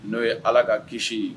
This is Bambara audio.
N'o ye Ala ka kisi ye.